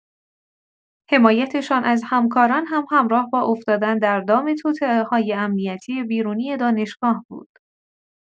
حمایتشان از همکاران هم همراه با افتادن در دام توطئه‌های امنیتی بیرونی دانشگاه بود.